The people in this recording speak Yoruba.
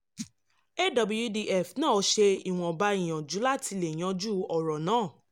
AWDF náà ṣe ìwọ̀nba ìyànjú láti lè yanjú ọ̀rọ̀ náà.